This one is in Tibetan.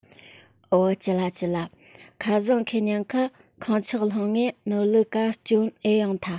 འོ སྐིད ལ སྐྱིད ལ ཁ རྩང ཁེས ཉིན ཀར ཁངས ཆགས ལྷུང ངས ནོར ལུག ག སྐྱོན ཨེ ཡོང ཐལ